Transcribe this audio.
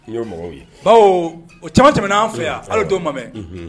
Nye o mɔgɔw ye , baw o cɛman tɛmɛn na an fɛ yan hali o dɔw ma mɛn ,unhun.